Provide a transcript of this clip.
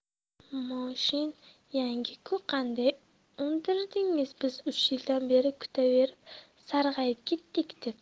moshin yangi ku qanday undirdingiz biz uch yildan beri kutaverib sarg'ayib ketdik debdi